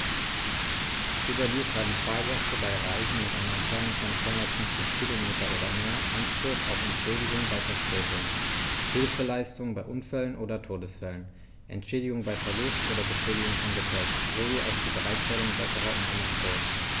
Überdies haben Fahrgäste bei Reisen mit einer Entfernung von 250 km oder mehr Anspruch auf Entschädigung bei Verspätungen, Hilfeleistung bei Unfällen oder Todesfällen, Entschädigung bei Verlust oder Beschädigung von Gepäck, sowie auf die Bereitstellung besserer Informationen.